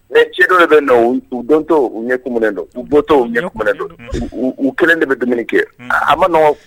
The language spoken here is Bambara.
Mais cɛ dɔw bɛ in u don tɔ u ɲɛ kumunen don, u bɔtɔ u ɲɛ kumunen don, u kelen de bɛ dumuni kɛ, a À ma nɔgɔn